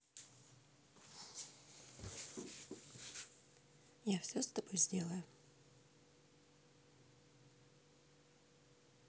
я все с тобой сделаю